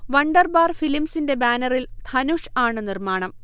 Wunderbar ഫിലിംസിൻെ്റ ബാനറിൽ ധനുഷ് ആണ് നിർമ്മാണം